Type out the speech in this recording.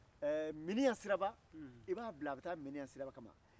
ɛɛ miniɲan siraba i b'a bila a bɛ taa miniɲan siraba ka ma